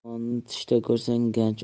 ilonni tushda ko'rsang